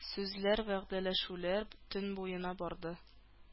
Сүзләр, вәгъдәләшүләр төн буена барды.